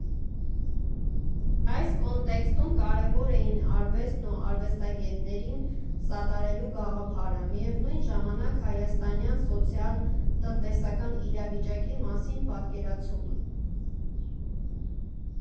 Այս կոնտեքստում կարևոր էին արվեստն ու արվեստագետներին սատարելու գաղափարը, միևնույն ժամանակ՝ Հայաստանյան սոցիալ֊տնտեսական իրավիճակի մասին պատկերացումը։